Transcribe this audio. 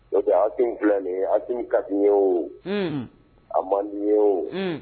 O a denw filan ni a ka ye o a man di ye o